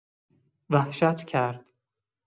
وحشت کرد.